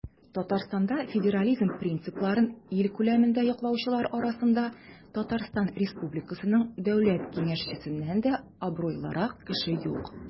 Татарстанда федерализм принципларын ил күләмендә яклаучылар арасында ТР Дәүләт Киңәшчесеннән дә абруйлырак кеше юк.